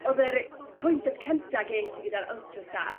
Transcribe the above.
o'dd yr yy pwyntiad cynta ges i gyda'r ultrasa...